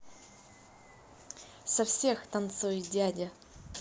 со всех танцует дядя